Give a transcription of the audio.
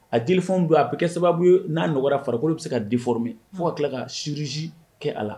A jelifɔn dɔ a be kɛ sababu ye n'a nɔgɔyara farikolo bi se ka déformer fo ka tila ka chirurgie kɛ a la